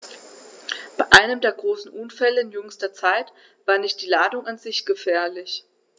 Bei einem der großen Unfälle in jüngster Zeit war nicht die Ladung an sich gefährlich.